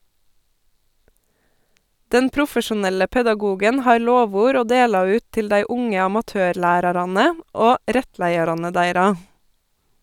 Den profesjonelle pedagogen har lovord å dela ut til dei unge amatørlærarane og rettleiarane deira.